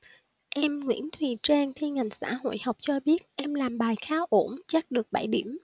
em nguyễn thùy trang thi ngành xã hội học cho biết em làm bài khá ổn chắc được bảy điểm